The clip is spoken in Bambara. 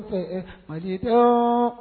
Nse fa tɛ